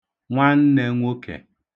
nwannẹ̄ nwokẹ̀